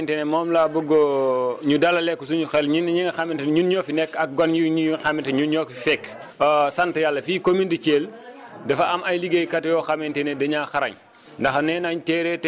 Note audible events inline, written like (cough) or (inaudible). dafa am rek li nga xamante ne moom laa bugg (hesitation) ñu dalalee ko suñu xel ñun ñi nga xamante ne ñun ñoo fi nekk ak gan yu ñu nga xamante ne ñun ñoo ko fi fekk (hesitation) sant yàlla fii commune de Thiel (crosstalk) dafa am ay liggéeykat yoo xamante ne dañaa xarañ